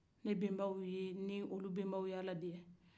ne benbaw ni olu benbaw ya la dɛ